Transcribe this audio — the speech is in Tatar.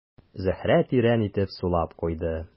Зөһрә тирән итеп сулап куйды.